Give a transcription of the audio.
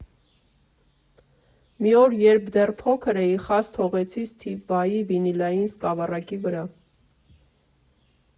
Մի օր, երբ դեռ փոքր էի, խազ թողեցի Սթիվ Վայի վինիլային սկավառակի վրա։